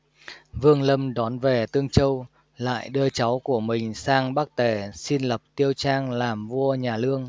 vương lâm đón về tương châu lại đưa cháu của mình sang bắc tề xin lập tiêu trang làm vua nhà lương